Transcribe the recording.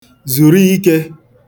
zùru ike